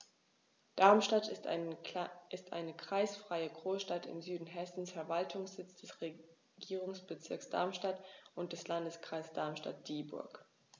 Darmstadt ist eine kreisfreie Großstadt im Süden Hessens, Verwaltungssitz des Regierungsbezirks Darmstadt und des Landkreises Darmstadt-Dieburg.